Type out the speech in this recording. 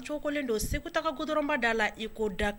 Cogolen don seguko dɔrɔnba da la i ko da kan